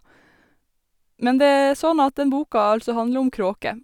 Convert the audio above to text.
Men det er sånn at den boka altså handler om kråker.